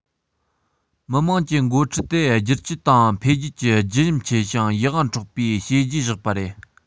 མི དམངས ཀྱི འགོ ཁྲིད དེ བསྒྱུར བཅོས དང འཕེལ རྒྱས ཀྱི བརྗིད ཉམས ཆེ ཞིང ཡིད དབང འཕྲོག པའི བྱས རྗེས བཞག པ རེད